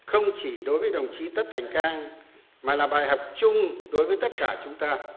không chỉ đối với đồng chí tất thành cang mà là bài học chung đối với tất cả chúng ta